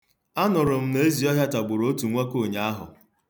Anụrụ m na ezi ọhịa tagbụrụ otu nwoke ụnyaahụ.